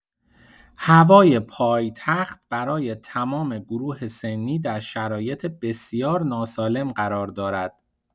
هوای پایتخت برای تمام گروه سنی در شرایط بسیار ناسالم قرار دارد.